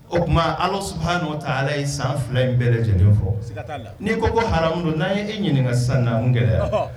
O tuma ala su hali n'o ta ala ye san fila in bɛɛ lajɛlen fɔ n'i ko ko hamu n'a ye e ɲininka ka san na kɛra yan